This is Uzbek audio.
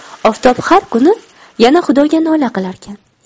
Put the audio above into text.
oftob har kuni yana xudoga nola qilarkan